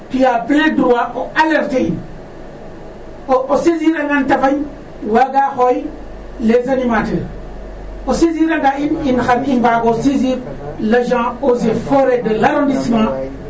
Tu as plein droit o alerte in o saisir rangan ta fañ waagaa xooy les annimateur o saisir anga in in xan i mbaag o saisir l' agent aux et foret de l' arrondissement.